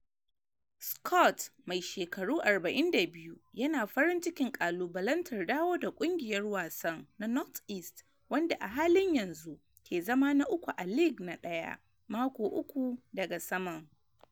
Scot, mai shekaru 42, yana farin cikin kalubalantar dawoda kungiyar wasan na North-East, wanda a halin yanzu ke zama na uku a League na daya, maki uku daga saman.